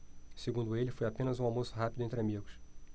segundo ele foi apenas um almoço rápido entre amigos